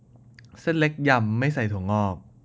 เส้นเล็กยำไม่ใส่ถั่วงอก